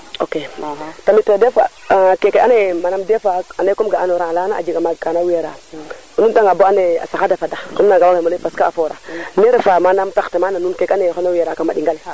ok tamit des fois keke ando naye des fois ande comme ga ano rang lana a jega maaga kaana weera i ndeta nga bo ande a saq ta a saxada fada naga wagan mo ley parce que a foora ne refa manam pertement na nuun keke ando naye xana weera kama ɗinga le